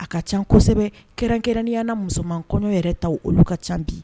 A ka ca kosɛbɛ kɛrɛnkɛrɛnyaana musoman kɔɲɔ yɛrɛ ta olu ka ca bi